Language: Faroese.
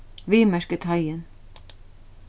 viðmerk í teigin